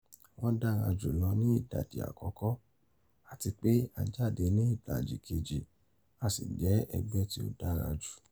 Wọ́n dára jùlọ ní ìdajì àkọ́kọ́ àti pé a jáde ní ìdajì kejì asì jẹ́ ẹgbẹ́ tí ó dára jù.